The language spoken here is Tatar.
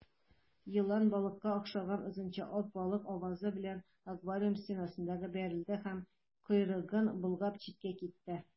Елан балыкка охшаган озынча ак балык авызы белән аквариум стенасына бәрелде һәм, койрыгын болгап, читкә китте.